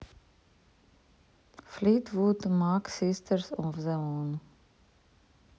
fleetwood mac sisters of the moon